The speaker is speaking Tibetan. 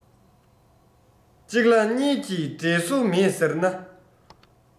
གཅིག ལ གཉིས ཀྱི འབྲེལ སོ མེད ཟེར ན